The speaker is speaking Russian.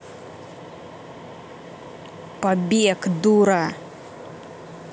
побег дура